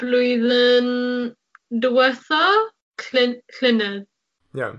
Blwyddyn diwetha clyn- llynedd. Iawn.